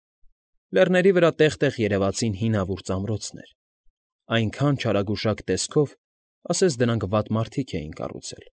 Լեռների վրա տեղ֊տեղ երևացին հինավուրց ամրոցներ, այնքան չարագուշակ տեսքով, ասես դրանք վատ մարդիկ էին կառուցել։